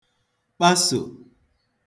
kpasò